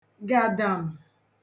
gàdàm